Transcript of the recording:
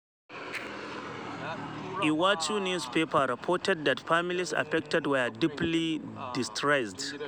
Iwacu newspaper reported that families affected were deeply distressed.